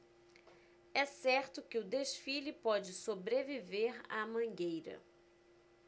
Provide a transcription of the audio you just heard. é certo que o desfile pode sobreviver à mangueira